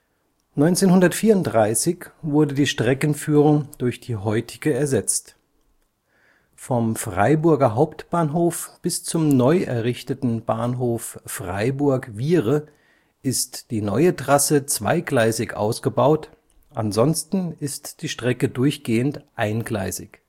1934 wurde die Streckenführung durch die heutige ersetzt. Vom Freiburger Hauptbahnhof bis zum neu errichteten Bahnhof Freiburg-Wiehre ist die neue Trasse zweigleisig ausgebaut, ansonsten ist die Strecke durchgehend eingleisig